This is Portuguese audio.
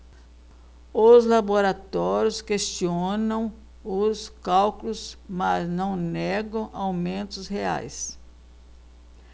os laboratórios questionam os cálculos mas não negam aumentos reais